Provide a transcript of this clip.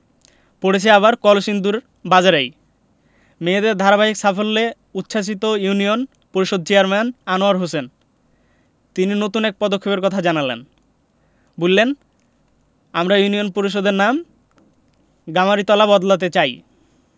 পড়েছে আবার কলসিন্দুর বাজারেই মেয়েদের ধারাবাহিক সাফল্যে উচ্ছ্বসিত ইউনিয়ন পরিষদের চেয়ারম্যান আনোয়ার হোসেন তিনি নতুন এক পদক্ষেপের কথা জানালেন বললেন আমরা ইউনিয়ন পরিষদের নাম গামারিতলা বদলাতে চাই